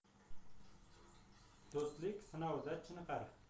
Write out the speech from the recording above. do'stlik sinovda chiniqar